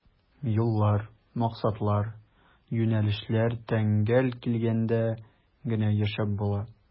Юллар, максатлар, юнәлешләр тәңгәл килгәндә генә яшәп була.